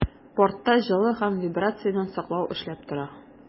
Бортта җылы һәм вибрациядән саклау эшләп тора.